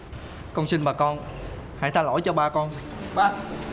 con xin bà con hãy tha lỗi cho ba con ba